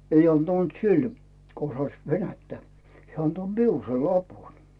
ei antanut sillä kun osasi venäjää hän antoi minulle sen lapun